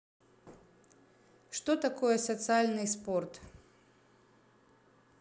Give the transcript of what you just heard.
что такое социальный спорт